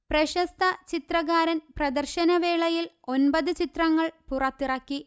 പ്രശസ്ത ചിത്രകാരൻ പ്രദർശനവേളയിൽ ഒന്പത് ചിത്രങ്ങൾ പുറത്തിറക്കി